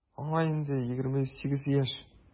Аңа инде 28 яшь.